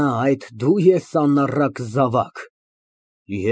Ա, այդ դո՞ւ ես անառակ զավակ։